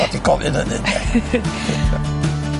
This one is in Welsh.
O'dd o 'di gofyn hynny